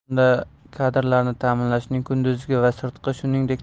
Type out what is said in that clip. unda kadrlarni ta'limning kunduzgi va sirtqi shuningdek